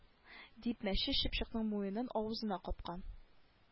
Дип мәче чыпчыкның муенын авызына капкан